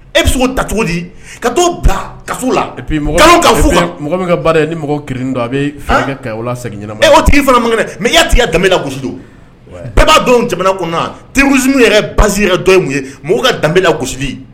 E bɛ se ta cogo di ka ka la min ba ni mɔgɔrin don a bɛ segin o tigi fana makɛ mɛ ya tigɛ danbedo bɛɛba don kɔnɔ terisi yɛrɛ ba ka ye mɔgɔ ka danbebela gosi